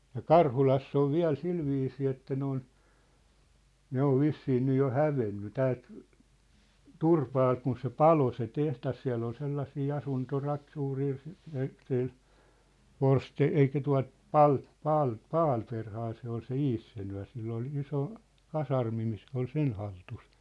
ja Karhulassa on vielä sillä viisiin että ne on ne on vissiin nyt jo hävinneet täältä Turpaalta kun se paloi se tehdas siellä oli sellaisia - suuria - sillä - eikä tuota -- Palmberghan se oli se insinööri sillä oli iso kasarmi niin se oli sen hallussa